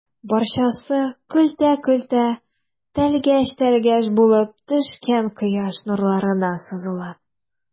Барчасы көлтә-көлтә, тәлгәш-тәлгәш булып төшкән кояш нурларына сузыла.